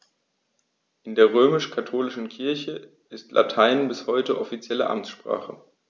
In der römisch-katholischen Kirche ist Latein bis heute offizielle Amtssprache.